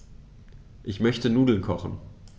Ich möchte Nudeln kochen.